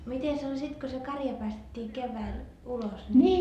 mitenkäs oli sitten kun se karja päästettiin keväällä ulos niin